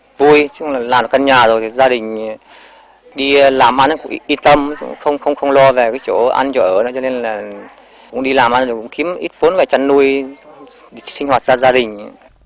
vui chung là làm căn nhà rồi gia đình đi làm ăn yên tâm không không không lo về cái chỗ ăn chỗ ở cho nên là cũng đi làm ăn rồi cũng kiếm ít vốn là chăn nuôi sinh hoạt gia gia đình